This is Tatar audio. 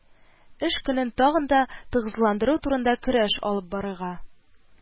Эш көнен тагын да тыгызландыру турында көрәш алып барырга